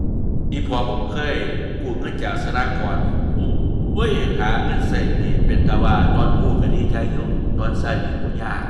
อีพ่อผมเคยกู้เงินจากสหกรณ์ โอ๊ย หาเงินใช้หนี้เป็นตาว่าตอนกู้ใช้ดีใจอยู่ตอนใช้นี่ โอ๊ย ยาก